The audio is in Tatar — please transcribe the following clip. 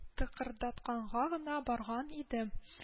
Тыкырдатканга гына барган иде